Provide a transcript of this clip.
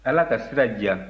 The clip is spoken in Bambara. ala ka sira diya